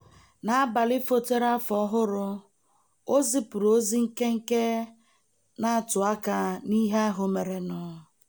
N'Abalị Fotere Afọ Ọhụrụ, o zipuru ozi nkenke na-atụ aka n'ihe ahụ merenụ.